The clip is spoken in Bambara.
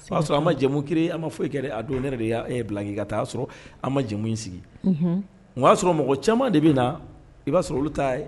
O y'a sɔrɔ a ma jamu créer an ma fosi fosi k'a don ne yɛrɛ de ye bila i ka taa so, o y'a sɔrɔ an ma jɛmu in sigi o y'a sɔrɔ mɔgɔ caman de bɛ na, i b'a sɔrɔ olu ta